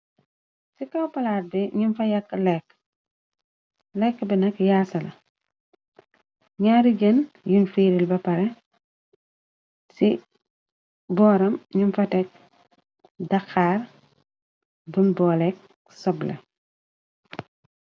Ci kaw palat bi nyung fa yakk lekk, lekk bi nak yaasa la ñaari jën yuñ fiiril ba pare ci booram ñyung fa tekk daxaar bunj boolekk sobla.